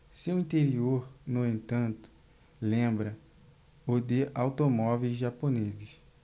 seu interior no entanto lembra o de automóveis japoneses